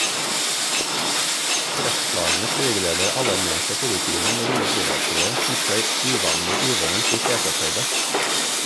Skrekkslagne flygeledere alarmerte politiet om det lille privatflyet, som fløy uvanlig uvørent i tretopphøyde.